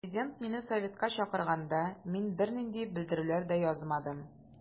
Президент мине советка чакырганда мин бернинди белдерүләр дә язмадым.